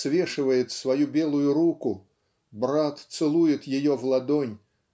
свешивает свою белую руку брат целует ее в ладонь